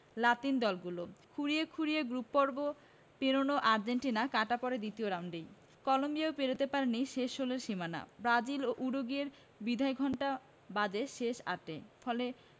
লাতিন দলগুলো খুঁড়িয়ে খুঁড়িয়ে গ্রুপপর্ব পেরনো আর্জেন্টিনা কাটা পড়ে দ্বিতীয় রাউন্ডেই কলম্বিয়াও পেরোতে পারেনি শেষ ষোলোর সীমানা ব্রাজিল ও উরুগুয়ের বিদায়ঘণ্টা বাজে শেষ আটে ফলে